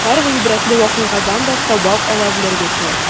Һәр гыйбрәтле вакыйгадан да сабак ала белергә кирәк.